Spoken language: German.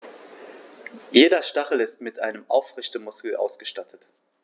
Jeder Stachel ist mit einem Aufrichtemuskel ausgestattet.